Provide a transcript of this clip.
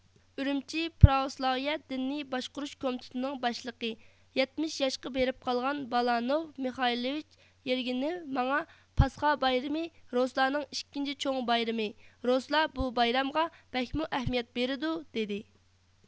ئۈرۈمچى پراۋوسلاۋىيە دىنى باشقۇرۇش كومىتېتىنىڭ باشلىقى يەتمىش ياشقا بېرىپ قالغان بالانوف مىخايلوۋىچ يېرگىنىۋ ماڭا پاسخا بايرىمى روسلارنىڭ ئىككىنچى چوڭ بايرىمى روسلار بۇ بايرامغا بەكمۇ ئەھمىيەت بېرىدۇ دىدى